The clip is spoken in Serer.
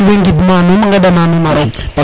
in way ngid ma nuun ŋeɗa nuun